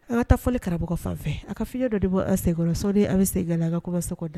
A bɛ taa fɔli karamɔgɔ fanfɛ a ka fiɲɛ dɔ de bɔ seginkɔrɔsɔdi a bɛ seginiga la ka kobasa da